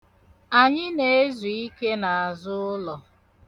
Ada na-aza azụụlọ.